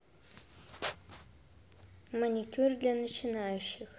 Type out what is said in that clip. маникюр для начинающих